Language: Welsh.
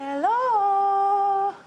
Helo!